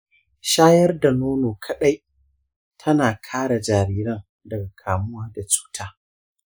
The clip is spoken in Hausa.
shayar da nono kadai tana kare jariran daga kamuwa da cuta.